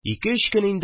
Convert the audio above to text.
Ике-өч көн инде